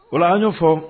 O an y'o fɔ